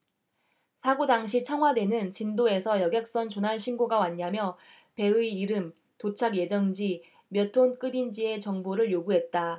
사고 당시 청와대는 진도에서 여객선 조난신고가 왔냐며 배의 이름 도착 예정지 몇 톤 급인지에 정보를 요구했다